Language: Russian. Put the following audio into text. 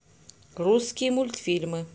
русские мультфильмы